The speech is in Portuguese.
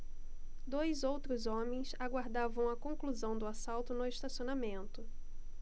dois outros homens aguardavam a conclusão do assalto no estacionamento